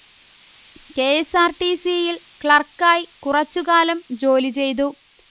കെഎസ്ആർടിസിയിൽ ക്ലർക്കായ് കുറച്ചു കാലം ജോലി ചെയ്തു